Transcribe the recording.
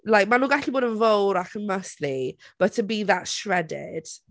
Like, maen nhw'n gallu bod yn fawr ac yn muscly, but to be that shredded...